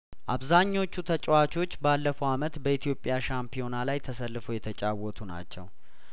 አብዛኞቹ ተጫዋቾች ባለፈው አመት በኢትዮጵያ ሻምፒዮና ላይ ተ ሰልፈው የተጫወቱ ናቸው